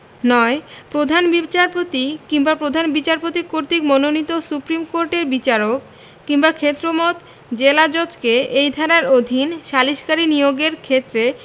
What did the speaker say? ৯ প্রধান বিচারপতি কিংবা প্রধান বিচারপাতি কর্তৃক মনোনীত সুপ্রীম কোর্টের বিচারক কিংবা ক্ষেত্রমত জেলাজজকে এই ধারার অধীন সালিসকারী নিয়োগের ক্ষেত্রে